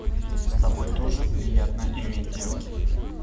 с тобой тоже приятно иметь дело